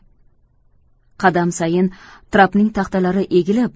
qadam sayin trapning taxtalari egilib